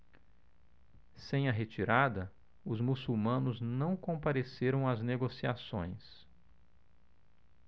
sem a retirada os muçulmanos não compareceram às negociações